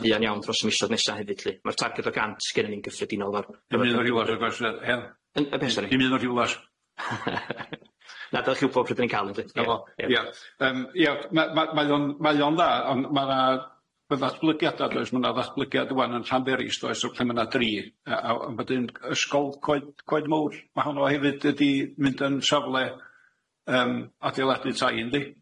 fuan iawn dros y misoedd nesa' hefyd lly ma'r targed o gant gennyn ni'n gyffredinol ... be sori? Dim un yn Rhiwlas? 'Na i adal i chdi pryd 'dan ni'n cal un lly. 'Na fo, ia, yym ma' ma' mau o'n mau o'n dda on' ma' 'na ddatblygiada does ma' 'na ddatblygiad ŵan yn Llanberis does o pan ma' 'na dri wedyn ysgol Coed Coed Mawr ma' honno hefyd wedi mynd yn safle yym adeiladu tai yndi?